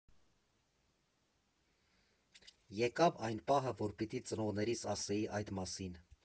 Եկավ այն պահը, որ պիտի ծնողներիս ասեի այդ մասին։